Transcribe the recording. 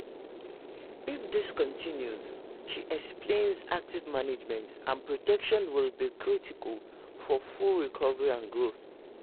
If this continues, she explains, active management and protection will be critical for full recovery and growth: